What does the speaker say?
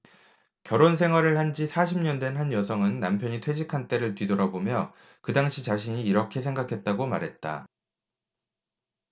결혼 생활을 한 지 사십 년 된 한 여성은 남편이 퇴직한 때를 뒤돌아보며 그 당시 자신이 이렇게 생각했다고 말했다